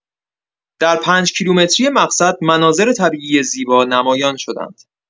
در پنج‌کیلومتری مقصد، مناظر طبیعی زیبا نمایان شدند.